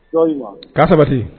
K'a sabati